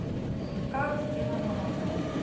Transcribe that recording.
как сделана вода